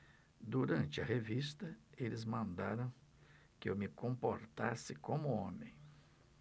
durante a revista eles mandaram que eu me comportasse como homem